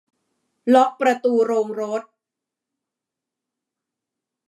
ล็อคประตูโรงรถ